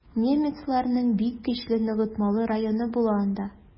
Немецларның бик көчле ныгытмалы районы була анда.